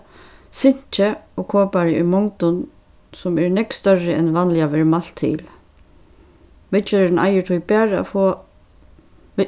sinki og kopari í mongdum sum eru nógv størri enn vanliga verður mælt til viðgerðin eigur tí bara at fáa